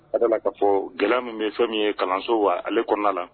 Sabula k ka fɔ gɛlɛya min bɛ ye fɛn min ye kalanso wa ale kɔnɔna la